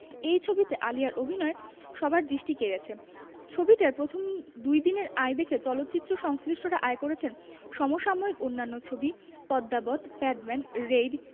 এই ছবিতে আলিয়ার অভিনয় সবার দৃষ্টি কেড়েছে ছবিটার প্রথম দুইদিনের আয় দেখে চলচ্চিত্র সংশ্লিষ্টরা আশা করছেন সম সাময়িক অন্যান্য ছবি পদ্মাবত প্যাডম্যান রেইড